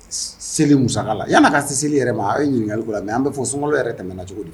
Seli mu la yan ka si seli yɛrɛ ma aw ye ɲininkali la mɛ an bɛ fɔ so sumaworo yɛrɛ tɛmɛna cogo di